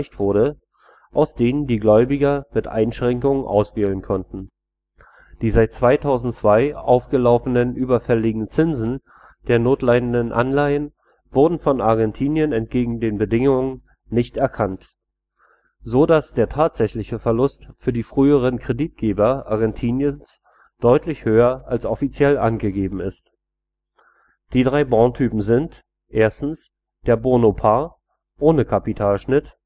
wurde, aus denen die Gläubiger mit Einschränkungen auswählen konnten. Die seit 2002 aufgelaufenen überfälligen Zinsen der notleidenden Anleihen wurden von Argentinien entgegen den Bedingungen nicht anerkannt, so dass der tatsächliche Verlust für die früheren Kreditgeber Argentiniens deutlich höher als offiziell angegeben ist. Die drei Bondtypen sind: der Bono Par ohne Kapitalschnitt